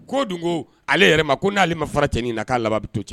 K'o dun ko ale yɛrɛ ma ko n'ale ma fara cɛnin in na k'a laban bɛ to ten